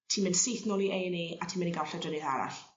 ti'n mynd syth nôl i Ay an' Ee a ti'n myn' i ga'l llawdrinieth arall.